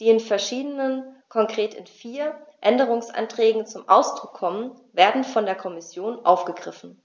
die in verschiedenen, konkret in vier, Änderungsanträgen zum Ausdruck kommen, werden von der Kommission aufgegriffen.